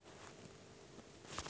тв украина